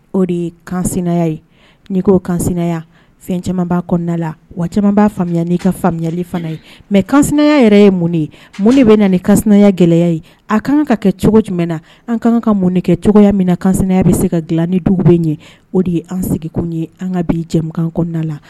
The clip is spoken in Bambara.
O de ye kan ye ni koo kanya fɛn caman'la wa caman b'a faamuyaya n'i ka faamuyayali fana ye mɛ kanya yɛrɛ ye mun ye mun bɛ na nin kaya gɛlɛyaya ye a ka kan ka kɛ cogo jumɛn na an kan ka mun kɛ cogoyaya min na kansya bɛ se ka dilan ni du bɛ ɲɛ o de ye an seginkun ye an ka bi jɛ kɔnɔna la